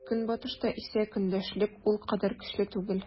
Көнбатышта исә көндәшлек ул кадәр көчле түгел.